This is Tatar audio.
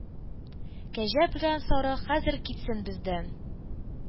Кәҗә белән Сарык хәзер китсен бездән,